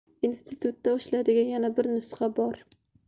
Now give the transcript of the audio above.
institutda ishlaydigan yana bir nusxa bor